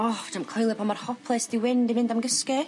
O 'edrai'm coelio pan mor hoples di Wyn di fynd am gysgu.